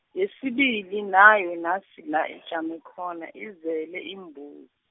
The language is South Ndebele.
yesibili nayo, nasi la, ijame khona izele iimbuzi.